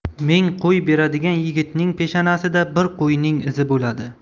ming qo'y beradigan yigitning peshanasida bir qo'yning izi bo'ladi